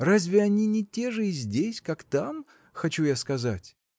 – Разве они не те же и здесь, как там? – хочу я сказать.